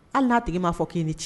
An n'a tigi m maa fɔ'i ni ce